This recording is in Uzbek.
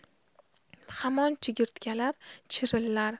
hamon chigirtkalar chirillar